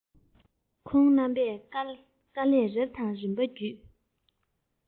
ཁོང རྣམ པས དཀའ ལས རབ དང རིམ པ བརྒྱུད